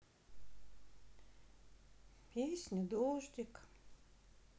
песня дождик